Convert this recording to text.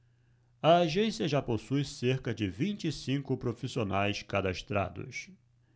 a agência já possui cerca de vinte e cinco profissionais cadastrados